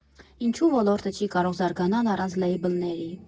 Ինչու ոլորտը չի կարող զարգանալ առանց լեյբլների.